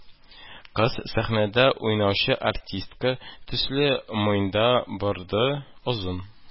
Кыз, сәхнәдә уйнаучы артистка төсле, муенда борды, озын